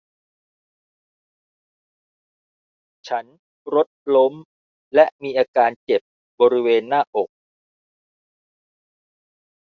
ฉันรถล้มและมีอาการเจ็บบริเวณหน้าอก